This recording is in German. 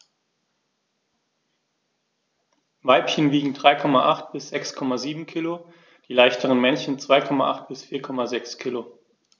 Weibchen wiegen 3,8 bis 6,7 kg, die leichteren Männchen 2,8 bis 4,6 kg.